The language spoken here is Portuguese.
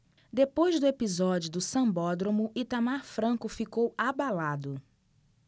depois do episódio do sambódromo itamar franco ficou abalado